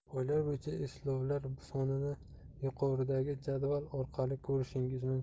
oylar bo'yicha eslovlar sonini yuqoridagi jadval orqali ko'rishingiz mumkin